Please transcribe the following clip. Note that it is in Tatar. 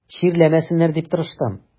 Чирләмәсеннәр дип тырыштым.